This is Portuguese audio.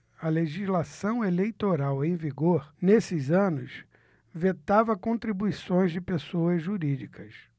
a legislação eleitoral em vigor nesses anos vetava contribuições de pessoas jurídicas